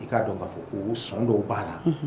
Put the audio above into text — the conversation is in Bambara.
I k'a dɔn k'a fɔ ko o sɔn dɔw b'a la unhun